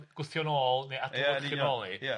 gwthio nôl neu . Ia.